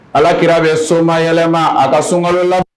Alaki bɛ somayɛlɛ a ka sunkala la